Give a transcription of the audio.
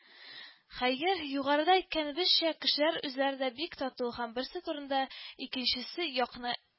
Хәер, югарыда әйткәнебезчә, кешеләр үзләре дә бик тату һәм берсе турында икенчесе якына